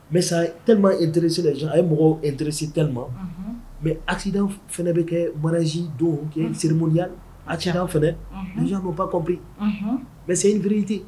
Mais ça tellement intéressé les gens a ye mɔgɔw intéressé tellement unhun, mais accident fana bɛ kɛ mariage don qui est une cérémoniale a cɛna fɛnɛ, unhun, les gens vont pas compris unhun, mais c'est une véréité .